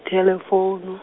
thelefounu.